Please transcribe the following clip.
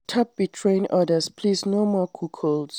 Stop betraying others, please no more cuckolds.